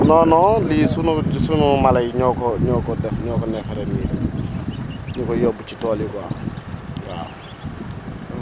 non non lii sunu sunu mala yi énoo ko ñoo ko def ñoo ko neefere nii ñu koy yóbbu ci tool yi quoi waaw